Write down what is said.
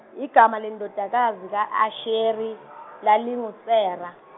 Igama lendodakazi ka Asheri lalinguSera.